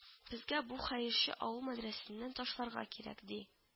– безгә бу хәерче авыл мәдрәсәсеннән ташларга кирәк, – ди